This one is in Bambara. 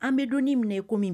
An bɛ don minɛ kɔmi min